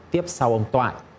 tiếp sau ông toại